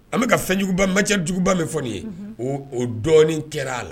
An bi ka fɛnjuguba matière juguba min fɔ nin ye , o dɔɔnin kɛra la.